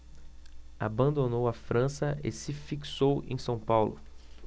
abandonou a frança e se fixou em são paulo